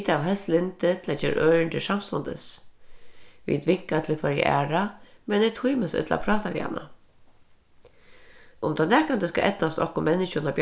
vit hava helst lyndi til at gera ørindir samstundis vit vinka til hvørja aðra men eg tími so illa at práta við hana um tað nakrantíð skal eydnast okkum menniskjum at